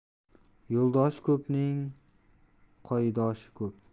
yirtiq uyni tomchi yer og'asiz emi qamchi yer